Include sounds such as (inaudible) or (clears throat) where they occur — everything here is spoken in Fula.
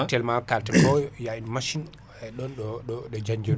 actuellement ko kalten ko (clears throat) y a une machine ɗon ɗo Diandioly